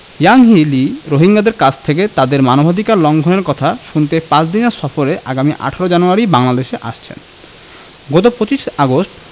Yanghee Lee রোহিঙ্গাদের কাছ থেকে তাদের মানবাধিকার লঙ্ঘনের কথা শুনতে পাঁচ দিনের সফরে আগামী ১৮ জানুয়ারি বাংলাদেশে আসছেন গত ২৫ আগস্ট